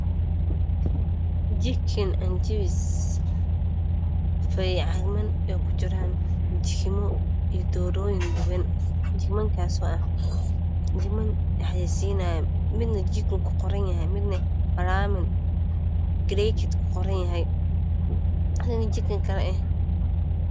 Waa jikin iyo jibsi oo caagman kujiro iyo doorooyin duban , waa laxayey siina.